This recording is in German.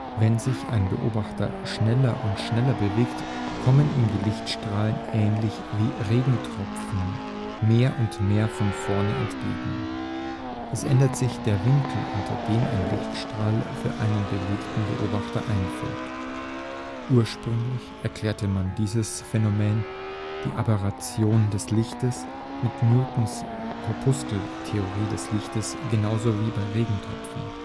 Wenn sich ein Beobachter schneller und schneller bewegt, kommen ihm die Lichtstrahlen ähnlich wie Regentropfen mehr und mehr von vorne entgegen. Es ändert sich der Winkel, unter dem ein Lichtstrahl für einen bewegten Beobachter einfällt. Ursprünglich erklärte man dieses Phänomen, die Aberration des Lichts, mit Newtons Korpuskeltheorie des Lichtes genauso wie bei Regentropfen